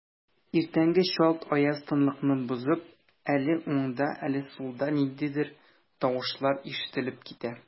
Иртәнге чалт аяз тынлыкны бозып, әле уңда, әле сулда ниндидер тавышлар ишетелеп китә.